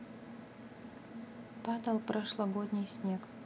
падал прошлогодний снег